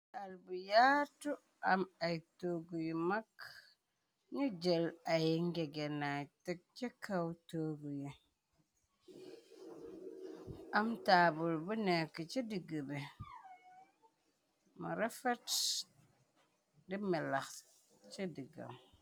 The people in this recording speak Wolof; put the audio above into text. sal bu yaatu am ay tuggu yu mag nu jël ay ngegenay tëg ca kaw tuggu yi am taabul bu nekk ca diggabe ma rafat di melax ca diggam